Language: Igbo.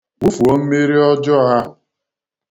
Wufuo mmiri ọjọọ ahụ.